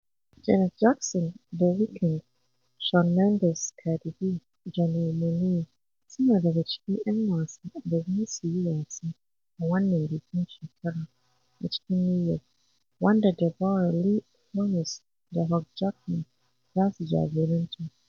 Janet Jackson, the Weeknd, Shawn Mendes, Cardi B, Janelle Monáe suna daga cikin 'yan wasa da za su yi wasa a wannan bikin shekara a cikin New York, wanda Deborra-Lee Furness da Hugh Jackman za su jagoranta.